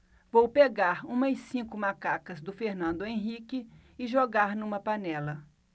vou pegar umas cinco macacas do fernando henrique e jogar numa panela